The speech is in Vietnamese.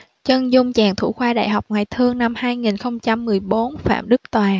chân dung chàng thủ khoa đại học ngoại thương năm hai nghìn không trăm mười bốn phạm đức toàn